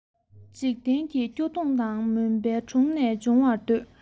འཇིག རྟེན གྱི སྐྱོ གདུང དང མུན པ དྲུངས ནས དབྱུང བར འདོད